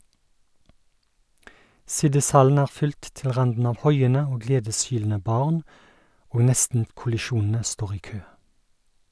Siddishallen er fylt til randen av hoiende og gledeshylende barn, og nestenkollisjonene står i kø.